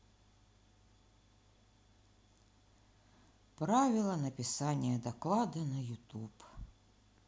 правила написания доклада на ютуб